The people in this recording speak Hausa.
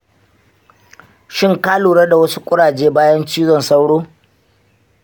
shin ka lura da wasu kuraje bayan cizon sauro?